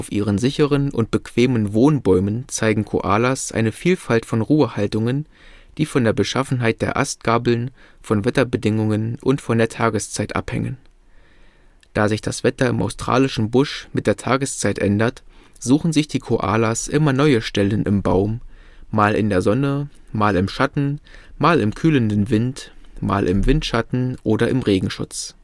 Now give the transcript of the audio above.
ihren sicheren und bequemen Wohnbäumen zeigen Koalas eine Vielfalt von Ruhehaltungen, die von der Beschaffenheit der Astgabeln, von Wetterbedingungen und von der Tageszeit abhängen. Da sich das Wetter im australischen Busch mit der Tageszeit ändert, suchen sich die Koalas immer neue Stellen im Baum, mal in der Sonne, mal im Schatten, mal im kühlenden Wind, mal im Windschatten oder im Regenschutz